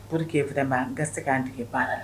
Pur quekee fɛ ma n ka se k' tigɛ ban